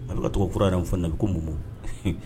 A bɛ bɛka tɔgɔ fura yɛrɛ fɔ na ko mun